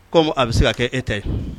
Kɔmi a bɛ se ka kɛ e ta ye